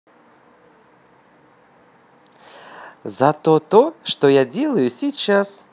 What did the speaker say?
зато то что я делаю сейчас